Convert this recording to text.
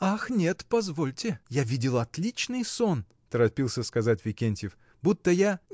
— Ах нет, позвольте, я видел отличный сон, — торопился сказать Викентьев, — будто я.